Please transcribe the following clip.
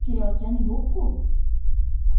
kelayotgani yo'q ku